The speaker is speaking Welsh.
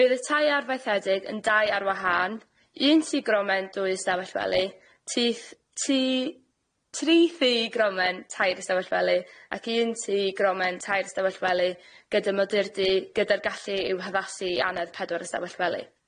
Bydd y tai arfaethedig yn dai ar wahân, un tŷ gromen dwy ystafell wely, tŷ th- tŷ- tri thŷ gromen tair ystafell wely, ac un tŷ gromen tair ystafell wely gyda modurdy, gyda'r gallu i'w haddasu i annedd pedwar ystafell wely.